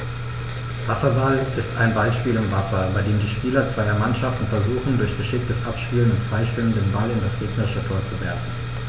Wasserball ist ein Ballspiel im Wasser, bei dem die Spieler zweier Mannschaften versuchen, durch geschicktes Abspielen und Freischwimmen den Ball in das gegnerische Tor zu werfen.